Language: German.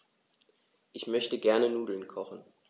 Ich möchte gerne Nudeln kochen.